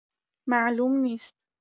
معلوم نیست